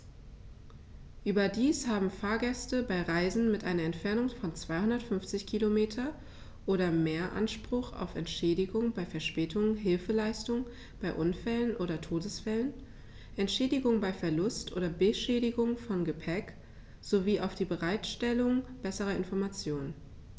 Überdies haben Fahrgäste bei Reisen mit einer Entfernung von 250 km oder mehr Anspruch auf Entschädigung bei Verspätungen, Hilfeleistung bei Unfällen oder Todesfällen, Entschädigung bei Verlust oder Beschädigung von Gepäck, sowie auf die Bereitstellung besserer Informationen.